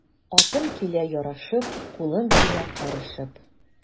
Атым килә ярашып, кулым килә карышып.